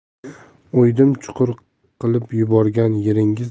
o'ydim chuqur qilib yuborgan